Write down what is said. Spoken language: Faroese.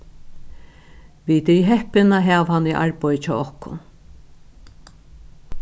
vit eru heppin at hava hann í arbeiði hjá okkum